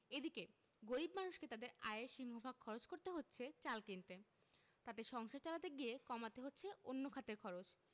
এদিকে গরিব মানুষকে তাঁদের আয়ের সিংহভাগ খরচ করতে হচ্ছে চাল কিনতে তাতে সংসার চালাতে গিয়ে কমাতে হচ্ছে অন্য খাতের খরচ